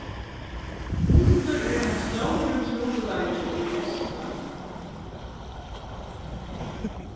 mutur er ein stórur trupulleiki í estlandi